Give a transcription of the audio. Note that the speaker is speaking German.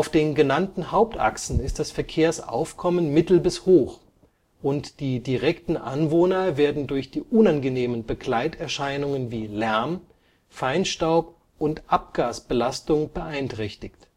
den genannten Hauptachsen ist das Verkehrsaufkommen mittel bis hoch und die direkten Anwohner werden durch die unangenehmen Begleiterscheinungen wie Lärm -, Feinstaub - und Abgasbelastung beeinträchtigt